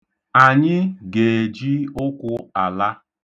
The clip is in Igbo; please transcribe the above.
Anyị ga-eji ụkwụ ala.